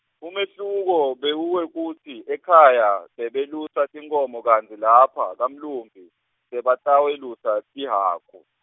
umehluko bewuwekutsi ekhaya, bebelusa tinkhomo kantsi lapha, kamlumbi sebatawelusa, tihhaku.